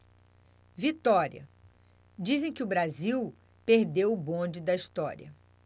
vitória dizem que o brasil perdeu o bonde da história